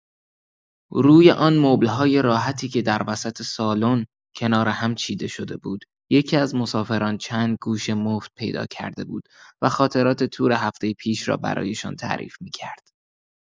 روی آن مبل‌های راحتی که در وسط سالن، کنار هم چیده شده بود، یکی‌از مسافران چند گوش مفت پیدا کرده بود و خاطرات تور هفته پیش را برایشان تعریف می‌کرد.